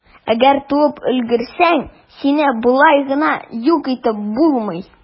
Әгәр туып өлгерсәң, сине болай гына юк итеп булмый.